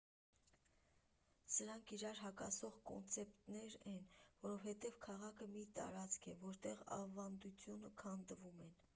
Սրանք իրար հակասող կոնցեպտներ են, որովհետև քաղաքը մի տարածք է, որտեղ ավանդույթները քանդվում են։